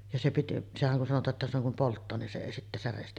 ja se piti sehän kun sanotaan että silloin kun polttaa niin se ei sitten särje sitä